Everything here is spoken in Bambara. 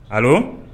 A